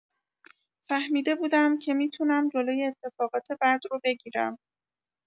فهمیده بودم که می‌تونم جلوی اتفاقات بد رو بگیرم.